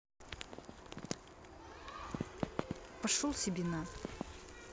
пошел себе на